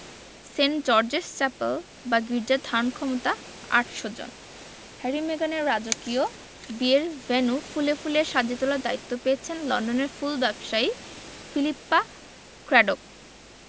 Saint George's chapel বা গির্জার ধারণক্ষমতা ৮০০ জন হ্যারি মেগানের রাজকীয় বিয়ের ভেন্যু ফুলে ফুলে সাজিয়ে তোলার দায়িত্ব পেয়েছেন লন্ডনের ফুল ব্যবসায়ী ফিলিপ্পা ক্র্যাডোক